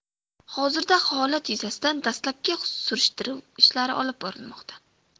hozirda holat yuzasidan dastlabki surishtiruv ishlari olib borilmoqda